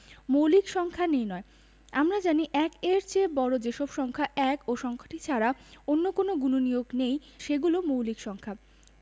মৌলিক সংখ্যা নির্ণয় আমরা জানি যে ১-এর চেয়ে বড় যে সব সংখ্যা ১ ও সংখ্যাটি ছাড়া অন্য কোনো গুণনীয়ক নেই সেগুলো মৌলিক সংখ্যা